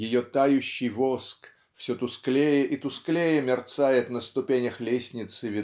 ее тающий воск все тусклее и тусклее мерцает на ступенях лестницы